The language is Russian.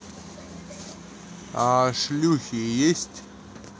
а шлюхи есть